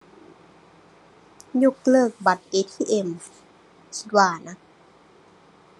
ยกเลิกบัตร ATM คิดว่านะ